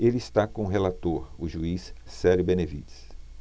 ele está com o relator o juiz célio benevides